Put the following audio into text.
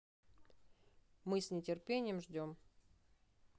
мы с нетерпением ждем